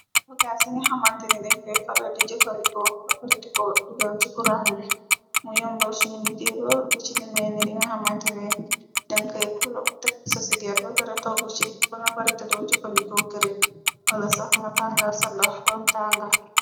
Bagaa se ni xamantane deñ kay faral di jëfandikoo ba paratiko dugal ci kurange mu yombal suñu liggéey lool bi ci demee ni di nga xamantane den kay pulok tekk sa si geer ba pere toggu ci ba nga baratadoo jëfandikoo këre wala sax nga tangal sanda roon tanga.